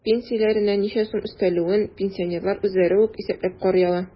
Пенсияләренә ничә сум өстәлүен пенсионерлар үзләре үк исәпләп карый ала.